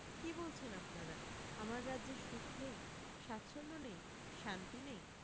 কী বলছেন আপনারা আমার রাজ্যে সুখ নেই স্বাচ্ছন্দ্য নেই শান্তি নেই